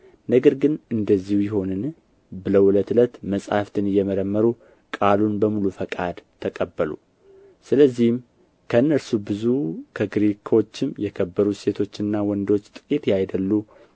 ነገሩ እንደዚሁ ይሆንን ብለው ዕለት ዕለት መጻሕፍትን እየመረመሩ ቃሉን በሙሉ ፈቃድ ተቀበሉ ስለዚህም ከእነርሱ ብዙ ከግሪኮችም የከበሩት ሴቶችና ወንዶች ጥቂት ያይደሉ